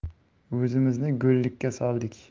o'zimizni go'llikka soldik